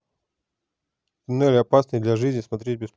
туннель опасный для жизни смотреть бесплатно